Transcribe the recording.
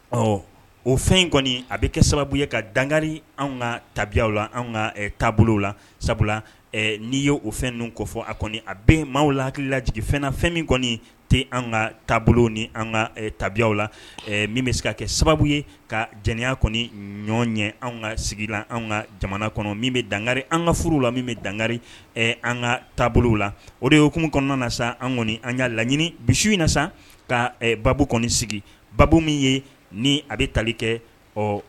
Ɔ o fɛn kɔni a bɛ kɛ sababu ye ka danga anw ka taw la ka taabolo la sabula n'i y'o o fɛn kɔ fɔ a kɔni a bɛ maaw la hakilila fɛn fɛn min kɔni tɛ an ka taabolo ni ka tabiyaw la min bɛ se ka kɛ sababu ye ka jya kɔni ɲɔ ɲɛ anw ka sigi an ka jamana kɔnɔ min bɛ dangari an ka furu la min bɛ danga an ka taabolo la o de y'ukumu kɔnɔna na sa an kɔni an y'a laɲini bi in na sa ka ba kɔni sigi ba min ye ni a bɛ tali kɛ